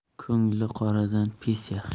ko'ngli qoradan pes yaxshi